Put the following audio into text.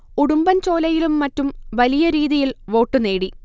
ഉടുമ്ബൻ ചോലയിലും മറ്റും വലിയ രീതിയിൽ വോട്ട് നേടി